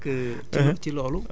voilà mais nag